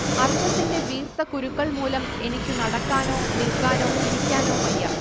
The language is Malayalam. അർശസിന്റെ വീർത്ത കുരുക്കൾ മൂലം എനിക്കു നടക്കാനോ നിൽക്കാനോ ഇരിക്കാനോ വയ്യ